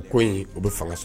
U ko in o bɛ fanga sɔrɔ